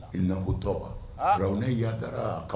Iinabutɔ faraw ne yandara ka